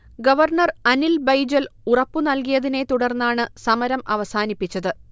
governor Anil Baijal ഉറപ്പു നൽകിയതിനെ തുടർന്നാണ് സമരം അവസാനിപ്പിച്ചത്